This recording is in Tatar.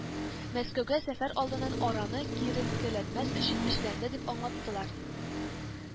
Мәскәүгә сәфәр алдыннан араны киеренкеләтмәс өчен эшләнде дип аңлаттылар